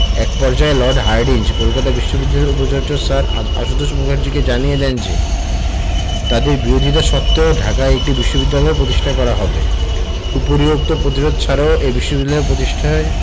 এক পর্যায়ে Lord Hardinge Kolkata বিশ্ববিদ্যালয়ের উপচার্য স্যার আশুতোষ মুখার্জীকে জানিয়ে দেন যে তাঁদের বিরোধিতা সত্ত্বেও ঢাকায় একটি বিশ্ববিদ্যালয় পতিষ্ঠা করা হবে উপরিউক্ত পতিরোধ ছাড়াও এ বিশ্ববিদ্যালয় প্রতিষ্ঠায়